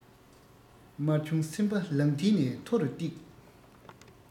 དམར ཆུང སེམས པ ལག མཐིལ ནས མཐོ རུ བཏེགས